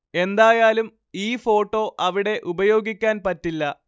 എന്തായാലും ഈ ഫോട്ടോ അവിടെ ഉപയോഗിക്കാൻ പറ്റില്ല